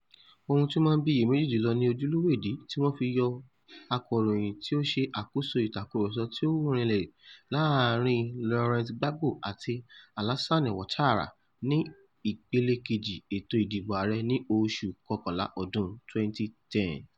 Ohun tí ó máa ń bí iyèméjì jùlọ ni ojúlówó ìdí tí wọ́n fi yọ akọ̀ròyìn tí ó ṣe àkóso ìtakùrọsọ tí ó rìnlẹ̀ láàárín Laurent Gbagbo àti Alassane Ouattara ni ìpele kejì ètò ìdìbò ààrẹ ní oṣù kọkànlá ọdún 2010.